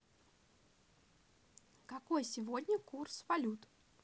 какой сегодня курс валют